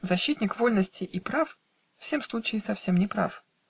Защитник вольности и прав В сем случае совсем неправ.